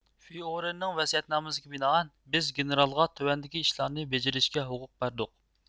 فىئۇرېرنىڭ ۋەسىيەتنامىسىگە بىنائەن بىز گېنېرالغا تۆۋەندىكى ئىشلارنى بېجىرىشكە ھوقۇق بەردۇق